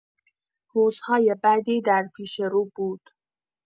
روزهای بدی در پیش‌رو بود.